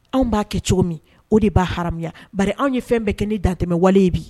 Anw b'a kɛ cogo min o de b'a hamiya bari anw ye fɛn bɛɛ kɛ nin dantɛmɛ wale bi